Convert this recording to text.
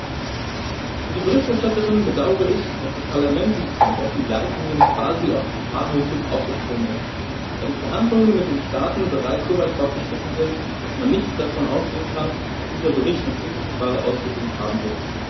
Wie die Berichterstatterin bedaure ich, dass das Parlament in bezug auf die Leitlinien quasi auf den fahrenden Zug aufgesprungen ist, da die Verhandlungen mit den Staaten bereits so weit fortgeschritten sind, dass man nicht davon ausgehen kann, dass dieser Bericht noch unmittelbare Auswirkungen haben wird.